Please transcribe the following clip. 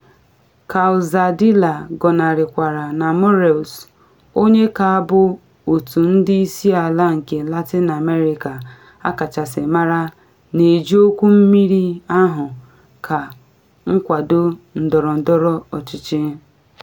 Calzadilla gọnarịkwara na Morales - onye ka bụ otu ndị isi ala nke Latin America akachasị mara - na eji okwu mmiri ahụ ka nkwado ndọrọndọrọ ọchịchị.